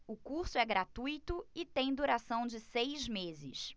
o curso é gratuito e tem a duração de seis meses